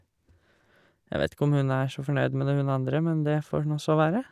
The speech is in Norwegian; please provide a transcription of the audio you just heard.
Jeg vet ikke om hun er så fornøyd med det, hun andre, men det får nå så være.